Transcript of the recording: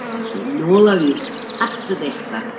Felly, nôl â fi at y dechra.